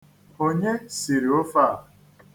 Onye siri ofe a?